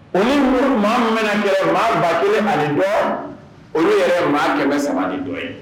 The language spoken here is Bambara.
Olu muru maa mɛn kɛ maa ba kelen ani bɔ olu yɛrɛ maa kɛmɛ saba ni dɔ ye